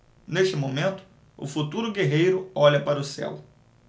neste momento o futuro guerreiro olha para o céu